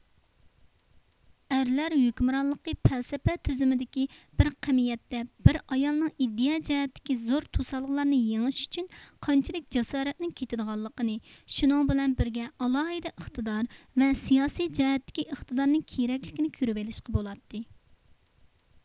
ئەرلەر ھۆكۈمرانلىقى پەلسەپە تۈزۈمدىكى بىر قەمىيەتتە بىر ئايالنىڭ ئىدىيە جەھەتتىكى زور توسالغۇلارنى يېڭىش ئۈچۈن قانچىلىك جاسارەتنىڭ كېتىدىغانلىقىنى شۇنىڭ بىلەن بىرگە ئالاھىدە ئىقتىدار ۋە سىياسىي جەھەتتىكى ئىقتىدارنىڭ كېرەكلىكىنى كۆرۈۋېلىشقا بولاتتى